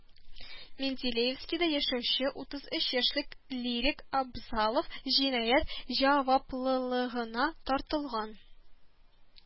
Менделеевскида яшәүче утыз өч яшьлек Лирик Абзалов җинаять җавап лылыгына тартылган